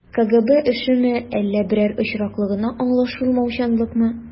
КГБ эшеме, әллә берәр очраклы гына аңлашылмаучанлыкмы?